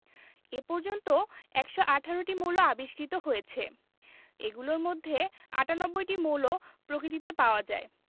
এ পর্যন্ত ১১৮টি মৌল আবিষ্কৃত হয়েছে এগুলোর মধ্যে ৯৮টি মৌল প্রকৃতিতে পাওয়া যায়